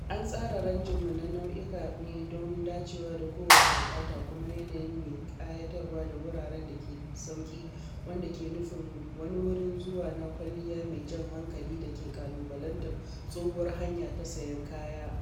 An tsara ranjinmu na nau’uka ne don dacewa da kowace buƙata kuma yanayin mai ƙayatarwa da wuraren da ke sauki wanda ke nufin wani wurin zuwa na kwalliya mai jan hankali da ke ƙalubalantar tsohuwar hanya ta sayan kaya.”